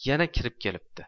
yana kirib kelibdi